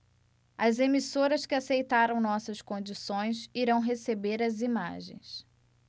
as emissoras que aceitaram nossas condições irão receber as imagens